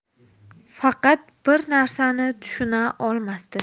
faqat bir narsani tushuna olmasdi